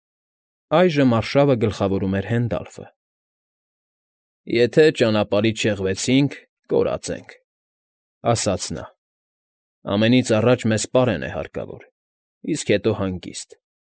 Այժմ արշավը գլխավորում էր Հենդալֆը։ ֊ Եթե ճանապարհից շեղվեցինք՝ կորած ենք,֊ ասաց նա։֊ Ամենից առաջ մեզ պարեն է հարկավոր, իսկ հետո հանգիստ՝